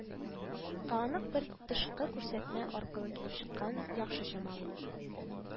Ә анык бер тышкы күрсәтмә аркылы килеп чыкканын яхшы чамалыйм